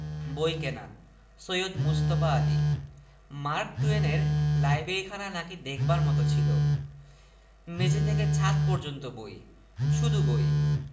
বইকেনা Syed Mujtaba Ali Mark টুয়েনের লাইব্রেরিখানা নাকি দেখবার মত ছিল মেঝে থেকে ছাত পর্যন্ত বই শুধু বই